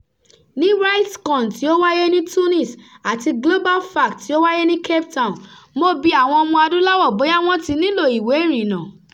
Ní RightsCon tí ó wáyé ní Tunis, àti GlobalFact tí ó wáyé ní Cape Town, mo bi àwọn Ọmọ-adúláwọ̀ bóyá wọ́n ti nílòo ìwé ìrìnnà.